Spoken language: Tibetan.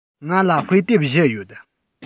ང ལ དཔེ དེབ བཞི ཡོད